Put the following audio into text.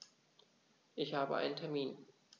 Ich habe einen Termin.